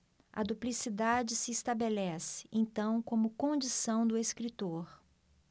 a duplicidade se estabelece então como condição do escritor